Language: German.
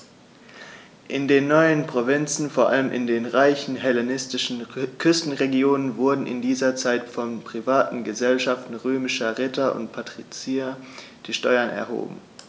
In den neuen Provinzen, vor allem in den reichen hellenistischen Küstenregionen, wurden in dieser Zeit von privaten „Gesellschaften“ römischer Ritter und Patrizier die Steuern erhoben.